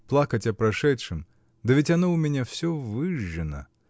Плакать о прошедшем -- да ведь оно у меня все выжжено!.